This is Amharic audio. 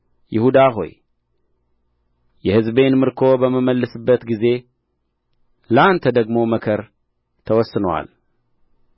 ይሁዳ ሆይ የሕዝቤን ምርኮ በምመልስበት ጊዜ ለአንተ ደግሞ መከር ተወስኖልሃል